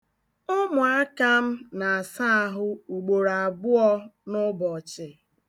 Ụmụaka m na-asa ahụ ugboro abụọ n'ụbọchị.